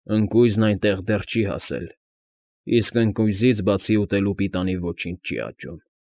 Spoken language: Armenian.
Ընկույզն այնտեղ դեռ չի հասել, իսկ ընկույզից բացի ուտելու պիտանի ոչինչ չի աճում։